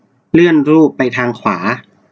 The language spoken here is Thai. เลื่อนรูปไปทางขวา